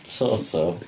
Sort of.